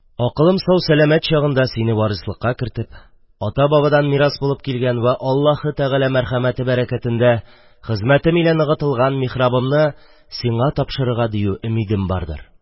Акылым сау-сәләмәт чагында сине варислыкка кертеп, ата-бабадан мирас булып килгән вә Аллаһы Тәгалә мәрхәмәте бәрәкәтендә хезмәтем илә ныгытылган михрабымны сиңа тапшырырга дию өмидем бардыр.